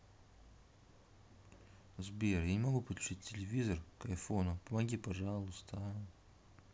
сбер я не могу подключить телевизор к айфону помоги пожалуйста